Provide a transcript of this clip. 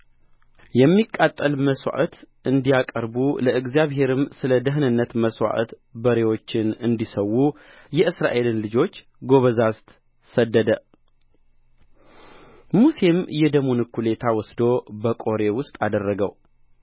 የሚቃጠል መሥዋዕት እንዲያቀርቡ ለእግዚአብሔርም ስለ ደኅንነት መሥዋዕት በሬዎችን እንዲሠዉ የእስራኤልን ልጆች ጐበዛዝት ሰደደ ሙሴም የደሙን እኵሌታ ወስዶ በቆሬ ውስጥ አደረገው